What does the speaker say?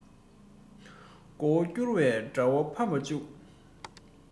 མགོ བོ བསྒུར བའི དགྲ བོ ཕམ མ བཅུག